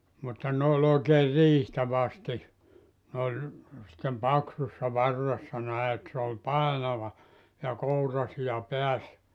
mutta ne on oikein riihtä vasti ne oli sitten paksussa varressa näin että se oli painava ja kouransija päässä